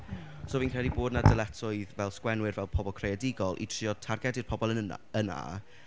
So fi'n credu bod yna dyletswydd fel sgwenwyr, fel pobl creadigol i trio targedu'r pobl yn- yn- yna...